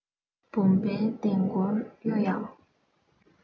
བུང བའི ལྡིང སྐོར གཡོ ཡང